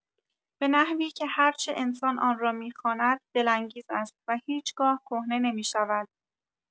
به نحوی که هر چه انسان آن را می‌خواند دل‌انگیز است و هیچ‌گاه کهنه نمی‌شود.